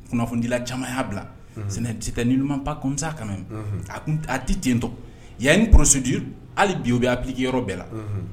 Kunnafonidila camanya' bila sɛnɛti ka kɔmimisa ka a a tɛ tentɔ yan ni psidi hali biwubi a biki yɔrɔ bɛɛ la